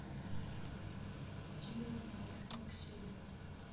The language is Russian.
и тигры у ног моих сели